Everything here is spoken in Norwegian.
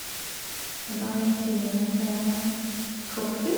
Og da gikk turen til Korfu.